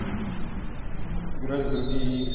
играть в другие игры